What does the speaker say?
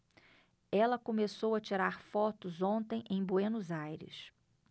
ela começou a tirar fotos ontem em buenos aires